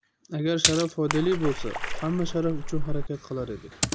agar sharaf foydali bo'lsa hamma sharaf uchun harakat qilar edi